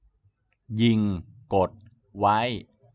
ยิงกดไว้